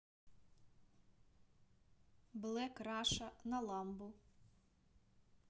блэк раша на ламбу